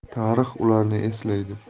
tarix ularni eslaydi